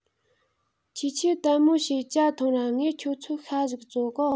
ཁྱེད ཆོས དལ མོ བྱོས ཇ ཐུངས ར ངས ཁྱེད ཆོའ ཤ ཟིག བཙོ གོ